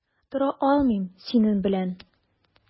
Тора алмыйм синең белән.